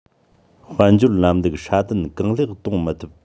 དཔལ འབྱོར ལམ ལུགས སྲ བརྟན གང ལེགས གཏོང མི ཐུབ